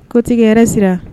Kotigi hɛrɛ sira